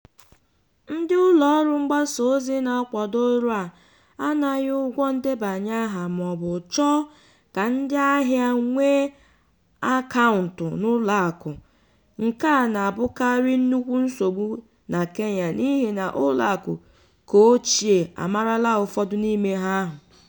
Ndị ụlọọrụ mgbasaozi na-akwado ọrụ a anaghị ụgwọ ndebanye aha maọbụ chọọ ka ndị ahịa nwee akaụntụ n'ụlọ akụ, nke a na-abụkarị nnukwu nsogbu na Kenya n'ihi na ụlọakụ keochie amarala ụfọdụ n'ime ha ahụ.